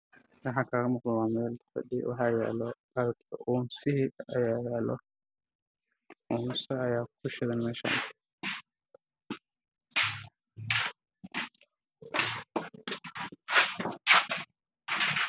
Meeshaan waxaa ka muuqda sahan yar iyo unsi dabqaad ku jiro oo cad waxayna saran yihiin meel gaduud ah